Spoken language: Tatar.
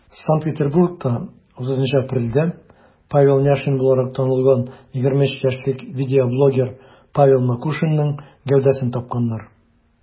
Санкт-Петербургта 30 апрельдә Павел Няшин буларак танылган 23 яшьлек видеоблогер Павел Макушинның гәүдәсен тапканнар.